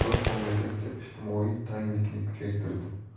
inqiroz mamlakatda ijtimoiy tanglikni kuchaytirdi